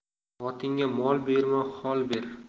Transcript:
xotinga mol berma xol ber